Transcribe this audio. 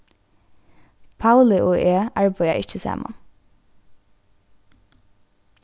pauli og eg arbeiða ikki saman